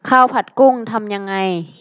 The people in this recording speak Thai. ข้าวผัดกุ้งทำยังไง